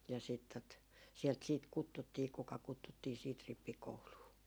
ja sitten tuota sieltä sitten kutsuttiin kuka kutsuttiin sitten rippikouluun